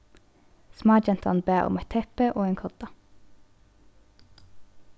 smágentan bað um eitt teppi og ein kodda